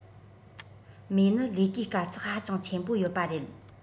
མོའི ནི ལས ཀའི དཀའ ཚེགས ཧ ཅང ཆེན པོ ཡོད པ རེད